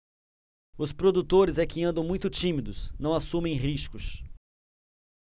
os produtores é que andam muito tímidos não assumem riscos